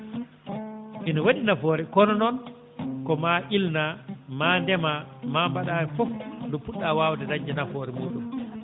ene waɗi nafoore kono noon ko maa ilnaa ma ndemaa maa mbaɗaa fof nde puɗɗaa waawde dañde nafoore muɗum